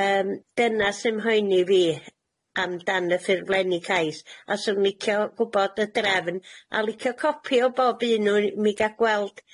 Yym dyna sy mhoeni fi am dan y ffurflenni cais ys 'swn i'n licio gwbod y drefn a licio copi o bob un o nw i mi ga'l gweld